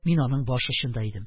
Мин аның баш очында идем.